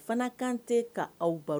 Fana kan tɛ k' aw baro